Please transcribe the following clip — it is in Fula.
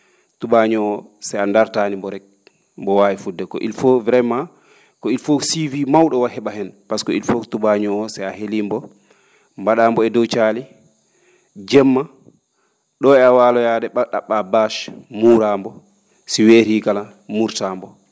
tubaañoo oo so a ndaartaani mbo mbo waawi fu?de il faut vraiment que il faut suivi maw?o o he?a heen pasque tubaañoo so a helii mbo mba?aa mbo e dow caali jemma ?oo e a waaloyaade ?a ?a??a bache muuraa mbo si weerii kala muurtaa mbo